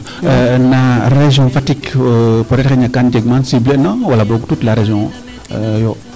d' accord na region Fatick peut etre xayna kan njeg man siblé na wala boog toute la region yoo